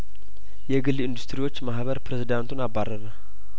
የግል ኢንዱስትሪዎች ማህበር ፕሬዝዳንቱን አባረረ